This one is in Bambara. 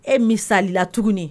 E misali la tuguni